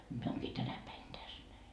minä olenkin tänä päivänä tässä näin